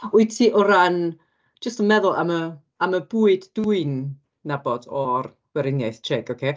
Wyt ti o ran... jyst yn meddwl am y am y bwyd dwi'n nabod o'r Gweriniaeth Tsiec ocê?